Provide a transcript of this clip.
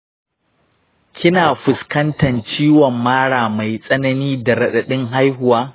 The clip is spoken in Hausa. kina fuskantan ciwon mara mai tsanani da raɗaɗin haihuwa?